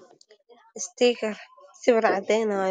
Waa sawir farshaxan ka waxaa ii muuqda naag meel fadhiso